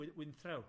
Wy- wynthrew.